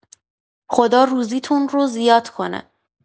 خدا روزی‌تون رو زیاد کنه.